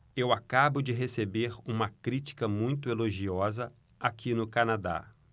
eu acabo de receber uma crítica muito elogiosa aqui no canadá